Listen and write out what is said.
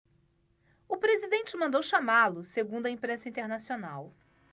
o presidente mandou chamá-lo segundo a imprensa internacional